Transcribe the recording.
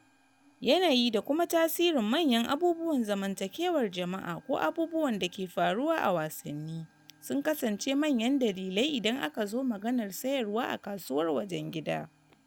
Yanayi da kuma tasirin manyan abubuwan zamantakewar jama'a ko abubuwan dake faruwa a wasanni sun kasance manyan dalilai idan aka zo maganar sayarwa a kasuwar wajen gida.